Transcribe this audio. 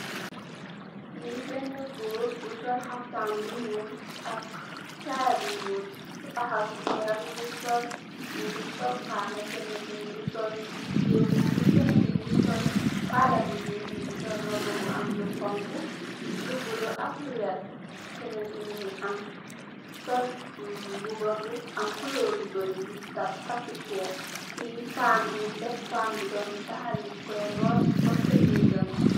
Li benn góor bu sol kaftan bu ñuul, ak chaya bu ñul. Ku taxaw ci boram mungi sol kala, kenen ki mungi sol, mungi sol kurus. Kena ki mungi sol roba bu ñul am lu xonxu lu bulu ak lu vert. Kenen ki mungi am sol mbuba bu am kulor yu bari takk cheen tehe pan bu tuj, pan bu domi tahal ñunkoy rote si pompe gingang.